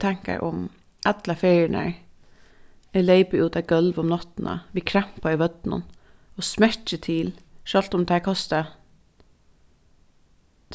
tankar um allar feriurnar eg leypi út á gólv um náttina við krampa í vøddunum og smekki til sjálvt um teir kosta